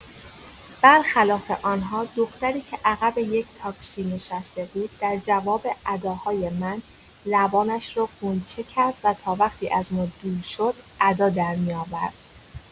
بر خلاف آنها، دختری که عقب یک تاکسی نشسته بود در جواب اداهای من لبانش را قنچه کرد و تا وقتی از ما دور شد ادا درمی‌آورد.